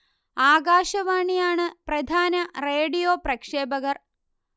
ആകാശവാണി ആണ് പ്രധാന റേഡിയോ പ്രക്ഷേപകർ